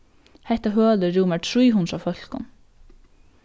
hetta hølið rúmar trý hundrað fólkum